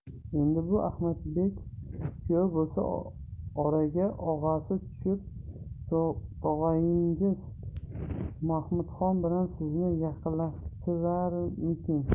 endi bu ahmadbek kuyov bo'lsa oraga og'asi tushib tog'oyingiz mahmudxon bilan sizni yaqinlashtirarmikin